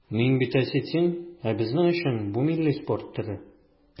Мин бит осетин, ә безнең өчен бу милли спорт төре.